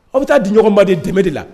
Aw bi taa di ɲɔgɔn ma de dɛmɛ de la.